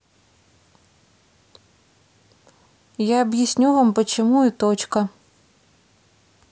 я объясню вам почему и точка